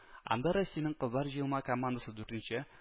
Анда Россиянең кызлар җыелма командасы – дүртенче